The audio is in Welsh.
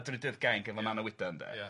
efo Manawydan, 'de? Ia.